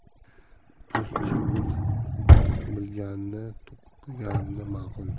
bo'zchi bilganini to'qigani maqul